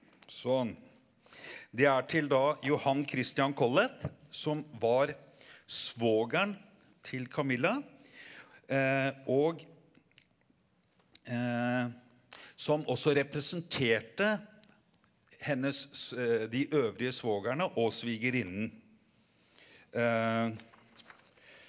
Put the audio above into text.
sånn det er til da Johan Christian Collett som var svogeren til Camilla og som også representerte hennes de øvrige svogerne og svigerinnen .